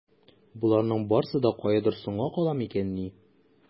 Боларның барсы да каядыр соңга кала микәнни?